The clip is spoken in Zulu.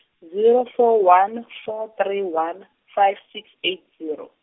zero four one, four three one, five six eight zero.